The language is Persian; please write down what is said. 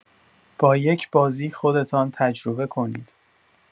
با یک بازی خودتان تجربه کنید.